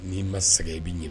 N'i ma sɛgɛn i bɛ ɲinin